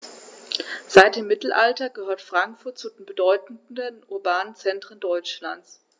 Seit dem Mittelalter gehört Frankfurt zu den bedeutenden urbanen Zentren Deutschlands.